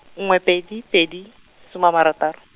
nngwe pedi pedi, some a ma ra tharo.